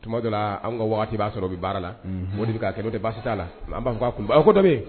Tuma dɔ la an ka b'a sɔrɔ baara la o de' kɛ o de basi t' la' a